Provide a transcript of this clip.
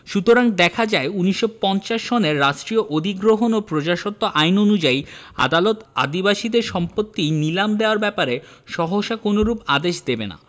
সুতরাং দেখা যায় ১৯৫০ সনের রাষ্ট্রীয় অধিগ্রহণ ও প্রজাস্বত্ব আইন অনুযায়ী আদালত আদিবাসীদের সম্পত্তি নীলাম দেয়ার ব্যাপারে সহসা কোনরূপ আদেশ দেবেনা